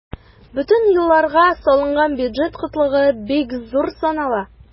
Бөтен елларга салынган бюджет кытлыгы бик зур санала.